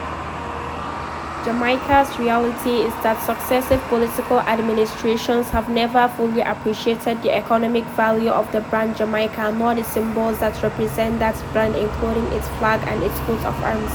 Jamaica’s reality is that successive political administrations have never fully appreciated the economic value of the brand "Jamaica" nor the symbols that [represent] that brand including its flag and its coat of arms.